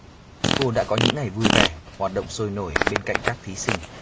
cô đã có những ngày vui vẻ hoạt động sôi nổi bên cạnh các thí sinh